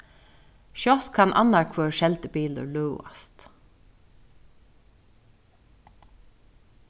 skjótt kann annar hvør seldi bilur løðast